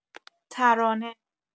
ترانه